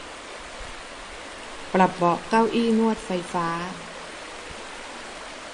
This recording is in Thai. ปรับเบาะเก้าอี้นวดไฟฟ้า